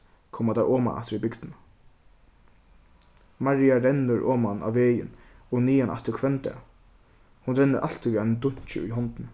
koma teir oman aftur í bygdina maria rennur oman á vegin og niðan aftur hvønn dag hon rennur altíð við einum dunki í hondini